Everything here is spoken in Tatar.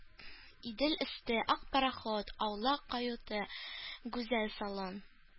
Идел өсте, ак пароход, аулак каюта, гүзәл салон